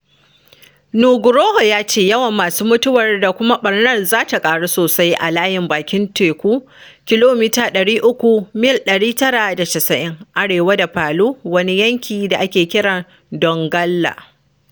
Nugroho ya ce yawan masu mutuwar da kuma ɓarnar zata ƙaru sosai a layin bakin teku kilomita 300 (mil 190) arewa da Palu, wani yanki da ake kira Donggala,